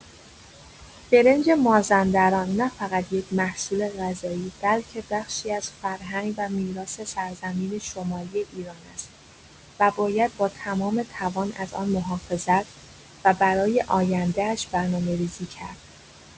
برنج مازندران نه‌فقط یک محصول غذایی، بلکه بخشی از فرهنگ و میراث سرزمین شمالی ایران است و باید با تمام توان از آن محافظت و برای آینده‌اش برنامه‌ریزی کرد.